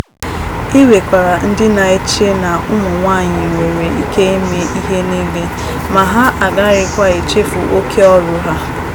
E nwekwara ndị na-eche na ụmụ nwaanyị nwere ike ime ihe niile, ma ha agaghịkwa echefu "oke ọrụ" ha